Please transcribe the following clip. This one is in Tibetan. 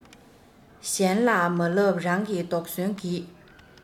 གཞན ལ མ ལབ རང ལ དོགས ཟོན གྱིས